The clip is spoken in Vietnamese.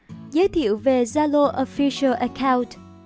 giới thiệu về zalo official account